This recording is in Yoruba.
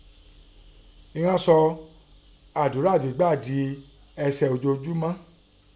Inán sọ àdọ́rà gbẹ́gbà din ẹṣẹ́ ijoojúmọ́.